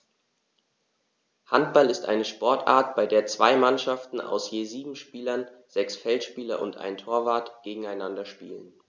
Handball ist eine Sportart, bei der zwei Mannschaften aus je sieben Spielern (sechs Feldspieler und ein Torwart) gegeneinander spielen.